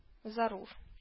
Зарур